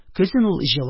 Көзен ул җылап,